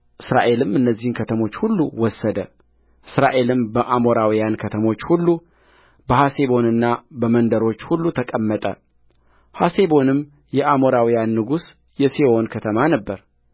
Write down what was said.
እስራኤልም እነዚህን ከተሞች ሁሉ ወሰደ እስራኤልም በአሞራውያን ከተሞች ሁሉ በሐሴቦንና በመንደሮቹ ሁሉ ተቀመጠሐሴቦንም የአሞራውያን ንጉሥ የሴዎን ከተማ ነበረ